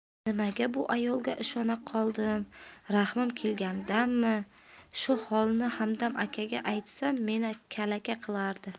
nimaga bu ayolga ishona qoldim rahmim kelganidanmi shu holni hamdam akaga aytsam meni kalaka qilardi